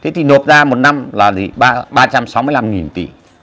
thế thì nộp ra một năm là gì ba ba trăm sáu mươi lăm nghìn tỷ